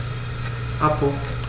Abbruch.